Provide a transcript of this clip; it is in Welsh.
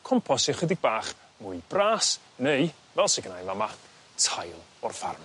compos sy ychydig bach mwy bras neu fel sy gennai yn fa' 'ma tail o'r ffarm.